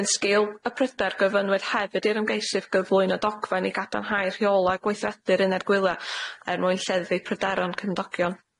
Yn sgil y pryder gofynnwyd hefyd i'r ymgeisydd gyflwyno dogfen i gadarnhau rheola' gweithredu'r uned gwylia' er mwyn lleddu pryderon cymdogion.